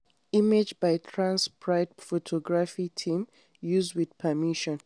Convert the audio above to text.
Image by Trans Pride Photography Team, used with permission.